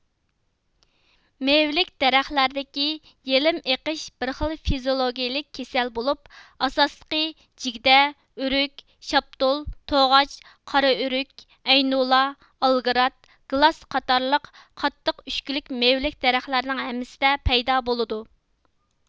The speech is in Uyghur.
مېۋىلىك دەرەخلەردىكى يېلىم ئېقىش بىر خىل فىزىئولوگىيىلىك كېسەل بولۇپ ئاساسلىقى جىگدە ئۆرۈك شاپتۇل توغاچ قارائۆرۈك ئەينۇلا ئالگرات گىلاس قاتارلىق قاتتىق ئۈچكىلىك مېۋىلىك دەرەخلەرنىڭ ھەممىسىدە پەيدا بولىدۇ